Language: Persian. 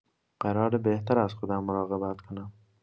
قراره بهتر از خودم مراقبت کنم.